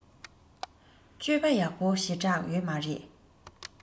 སྤྱོད པ ཡག པོ ཞེ དྲགས ཡོད མ རེད